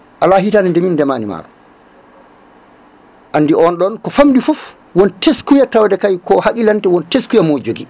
ala hitande nde min ndemani maaro andi on ɗon ko famɗi foof won teskuya tawde ko haqilante won teskuya mo jogui